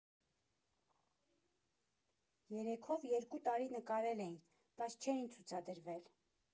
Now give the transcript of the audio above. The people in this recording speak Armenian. Երեքով երկու տարի նկարել էին, բայց չէին ցուցադրվել։